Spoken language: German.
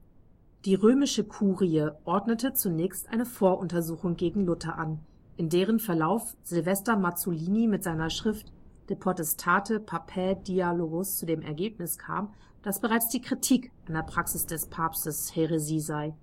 Die römische Kurie ordnete zunächst eine Voruntersuchung gegen Luther an, in deren Verlauf Silvester Mazzolini mit seiner Schrift De potestate papae dialogus zu dem Ergebnis kam, dass bereits die Kritik an der Praxis des Papstes Häresie sei